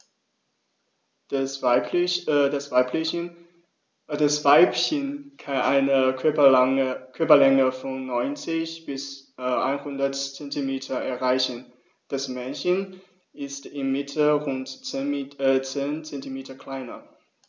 Das Weibchen kann eine Körperlänge von 90-100 cm erreichen; das Männchen ist im Mittel rund 10 cm kleiner.